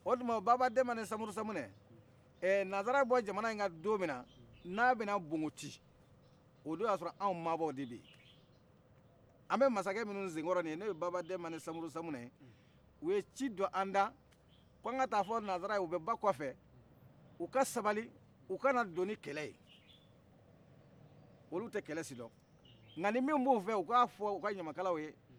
o tuma o baba denba ni samuru samunɛ ɛ nazara bɛ bɔ jamana in ka domina n'a bɛ na bonboti o don ya sɔrɔ anw mabɔ de beyi an bɛ masakɛ minu sen kɔrɔ n' oye baba denba ni samuru samunɛ ye u ye ci don an dan k'an ka taa fɔ nazaraye u bɛ bakɔfɛ u ka sabali u kana don ni kɛlɛ ye olu tɛ kɛlɛ si dɔn nka ni min b' u fɛ u ka f' u ka ɲamakalaw ye